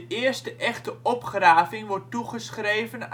eerste echte opgraving wordt toegeschreven